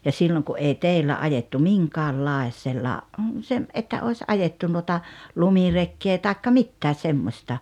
ja silloin kun ei teillä ajettu minkäänlaisella - että olisi ajettu noita lumirekeä tai mitään semmoista